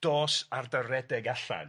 Dos ar dy redeg allan.